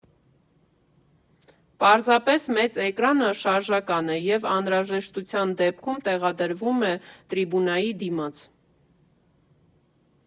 Պարզապես մեծ էկրանը շարժական է, և անհրաժեշտության դեպքում տեղադրվում է տրիբունայի դիմաց։